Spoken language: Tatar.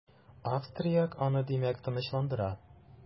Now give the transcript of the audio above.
Австрияк аны димәк, тынычландыра.